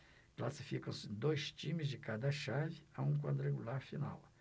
classificam-se dois times de cada chave a um quadrangular final